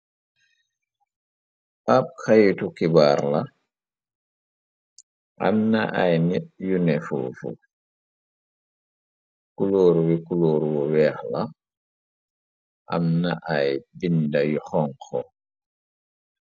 ab xayutu ki baar la amna ay nit yu nefuufu kulóor bi kulóor bu weex la amna ay binda yu xonxo